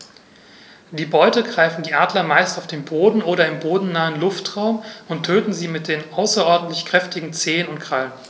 Die Beute greifen die Adler meist auf dem Boden oder im bodennahen Luftraum und töten sie mit den außerordentlich kräftigen Zehen und Krallen.